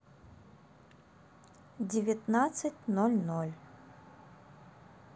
девятнадцать ноль ноль